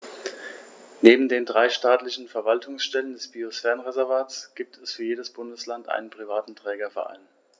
Neben den drei staatlichen Verwaltungsstellen des Biosphärenreservates gibt es für jedes Bundesland einen privaten Trägerverein.